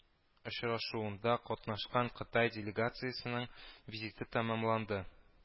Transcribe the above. Очрашуында катнашкан кытай делегациясенең визиты тәмамланды